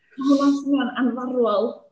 Ma' hwna'n swnio'n anfarwol.